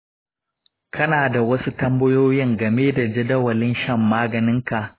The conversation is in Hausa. kana da wasu tambayoyi game da jadawalin shan maganinka?